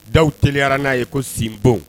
Dɔw teliyara n'a ye ko sinbon